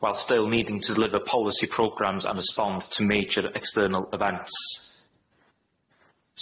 While still needing to deliver policy programmes and respond to major external events.